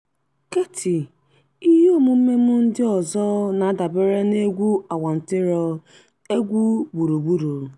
Keyti ​​: Ihe omume m ndị ọzọ na-adabere n'egwu awantịrọ, egwu gburugburu.